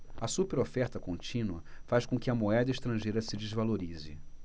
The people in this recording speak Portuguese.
a superoferta contínua faz com que a moeda estrangeira se desvalorize